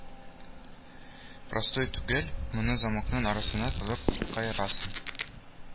Простой түгел, моны замокның арасына тыгып каерасын